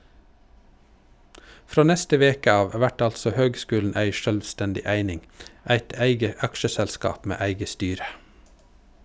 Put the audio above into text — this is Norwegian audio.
Frå neste veke av vert altså høgskulen ei sjølvstendig eining, eit eige aksjeselskap med eige styre.